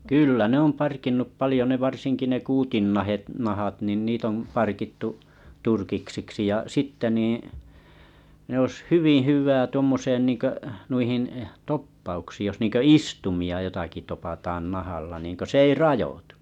kyllä ne on parkinnut paljon ne varsinkin ne kuutinnahat nahat niin niitä on parkittu turkiksiksi ja sitten niin ne olisi hyvin hyvää tuommoiseen niin kuin noihin toppauksiin jos niin kuin istuimia jotakin topataan nahalla niin kuin se ei rajoitu